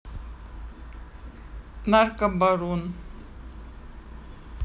наркобарон